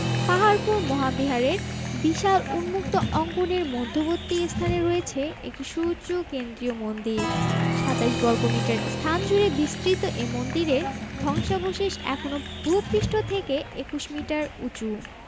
পাহাড়পুর মহাবিহারের বিশাল উন্মুক্ত অঙ্গনের মধ্যবর্তী স্থানে রয়েছে একটি সুউচ্চ কেন্দ্রীয় মন্দির ২৭ বর্গমিটার স্থান জুড়ে বিস্তৃত এ মন্দিরের ধ্বংসাবশেষ এখনও ভূ পৃষ্ঠ থেকে ২১ মিটার উঁচু